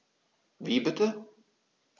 Wie bitte?